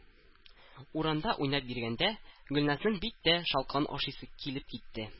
Урамда уйнап йөргәндә Гөльназның бик тә шалкан ашыйсы килеп китте